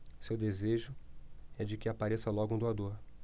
seu desejo é de que apareça logo um doador